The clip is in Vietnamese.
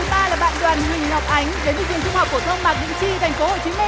thứ ba là bạn đoàn huỳnh ngọc ánh đến từ trường trung học phổ thông mạc đĩnh chi thành phố hồ chí minh